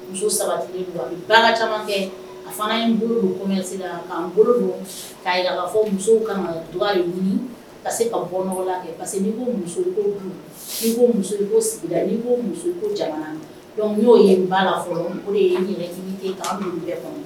Muso saba caman a fana bolo don bolo don' fɔ muso ka ɲini ka bɔ' n'o ye bala la